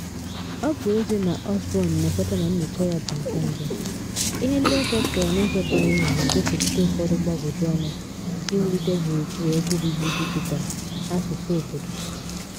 Ọ bụ ezie na Osborn na-ekweta na nyocha ya bụ nke mbụ, ihe ndị ọ chọpụtara n'ụzọ bara uru na-egosipụta ụfọdụ mgbagwoju anya nke iwulite gburugburu ebe obibi dijitalụ n'asụsụ obodo.